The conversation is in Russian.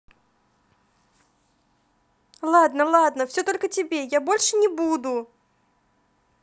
ладно ладно все только тебе я больше не буду